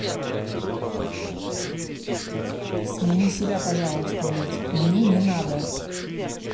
смени себя пожалуйста блядь мне не надо